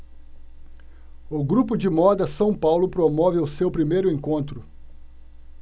o grupo de moda são paulo promove o seu primeiro encontro